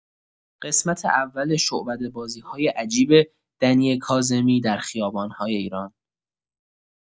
قسمت اول شعبده‌بازی‌های عجیب دنی کاظمی در خیابان‌های ایران.